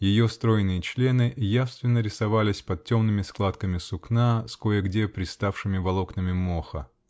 Ее стройные члены явственно рисовались под темными складками сукна, с кое-где приставшими волокнами моха.